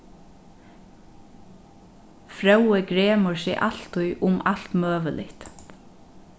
fróði gremur seg altíð um alt møguligt